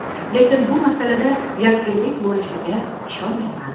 lekin bu masalada yakdillik bo'lishiga ishonmayman